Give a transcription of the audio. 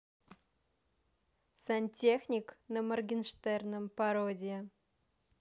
сантехник на моргенштерном пародия